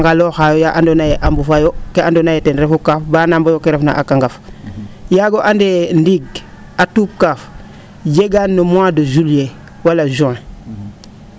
a ngoloxaa yaa andoona yee a mbufa yo ke andoona yee ten refu kaaf baa ndamooyo kee andoona yee ten refu a kangaf yaago ande ndiig a tuup kaaf jegaan no mois de juillet wala juin